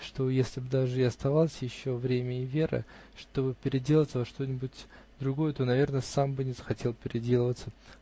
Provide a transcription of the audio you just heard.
что если б даже и оставалось еще время и вера, чтоб переделаться во что-нибудь другое, то, наверно, сам бы не захотел переделываться